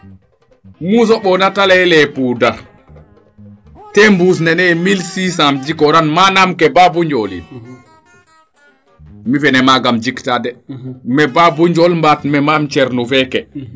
mu somboona te leyele poudre te mbuus nene yee mille six cent im jikooran manaam ke Babou Ndiool in mi fene maaga im jik taade me Babou Ndiol mbit na Mame Thierno feeke